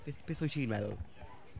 Beth, beth wyt ti'n meddwl?